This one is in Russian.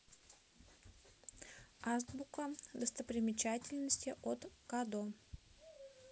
азбука достопримечательности от ka do